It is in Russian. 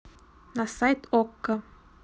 на сайт okko